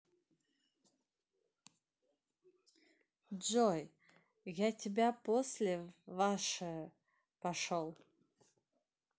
джой я тебя после ваше пошел